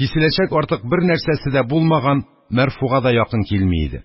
киселәчәк артык бернәрсәсе дә булмаган Мәрфуга да якын килми иде.